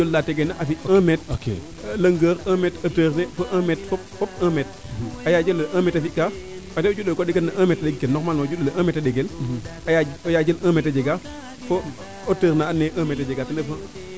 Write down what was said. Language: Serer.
i jola tegeena a fi un metre longueur un metre hauteur fe un metre fop un metre o yaajelo le fi kaa ande o jundole ko ndegan no un metre normalement jundole un metre a ndegel o yaajel un metre a jegaa fo hauteur na ando naye un metre a jegaa